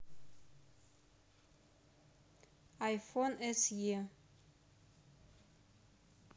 айфон с е